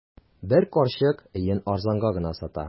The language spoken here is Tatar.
Бер карчык өен арзанга гына сата.